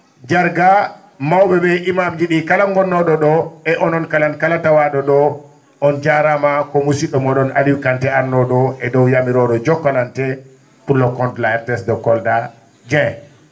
Jarga maw?e?e iman muji ?i kala mbonno?o ?o e onnon kalan kala tawa?o ?o on jaarama ko musi??o mo?on Aliou Kanté arno?o e dow yamirore Jokalante pour le compte de la RTS mbo Kolda Dieng